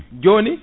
joni